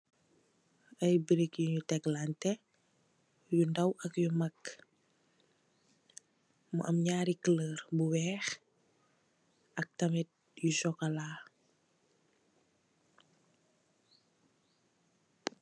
Ayi perit yunu telanteh yu daw ak yu mag mo am nari color bu weex ak tarmit bu sokolah.